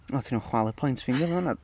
O ti newydd chwalu pwynt fi yn fan'na .